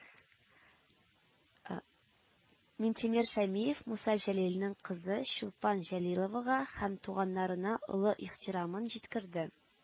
Минтимер Шәймиев Муса Җәлилнең кызы Чулпан Җәлиловага һәм туганнарына олы ихтирамын җиткерде